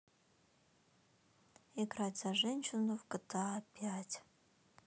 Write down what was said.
играть за женщину в гта пять